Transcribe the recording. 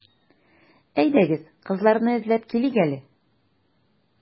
Әйдәгез, кызларны эзләп килик әле.